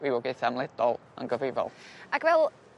rhywogaetha amledol yn gyfrifol. Ac fel